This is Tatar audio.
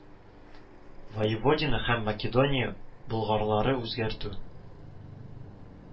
Воеводина һәм Македония болгарлары үзгәртү